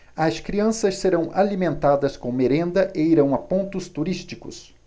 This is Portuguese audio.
as crianças serão alimentadas com merenda e irão a pontos turísticos